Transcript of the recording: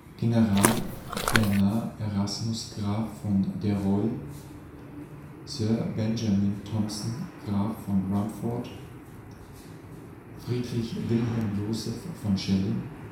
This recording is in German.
General Bernhard Erasmus Graf von Deroy (Johann von Halbig, 1856) Sir Benjamin Thompson Graf von Rumford (Caspar von Zumbusch, 1866) Friedrich Wilhelm Joseph von Schelling